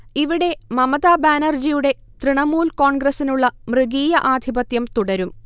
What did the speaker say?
ഇവിടെ മമതാ ബാനർജിയുടെ തൃണമൂൽ കോൺഗ്രസിനുള്ള മൃഗീയ ആധിപത്യം തുടരും